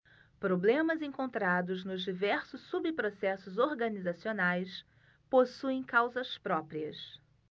problemas encontrados nos diversos subprocessos organizacionais possuem causas próprias